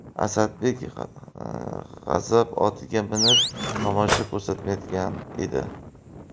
asadbek g'azab otiga minib tomosha ko'rsatmayotgan edi